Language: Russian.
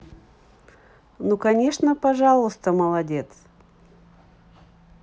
ну конечно пожалуйста молодец